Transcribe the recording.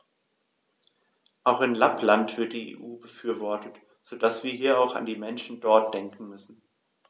Auch in Lappland wird die EU befürwortet, so dass wir hier auch an die Menschen dort denken müssen.